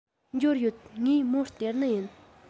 འབྱོར ཡོད ངས མོར སྟེར ནི ཡིན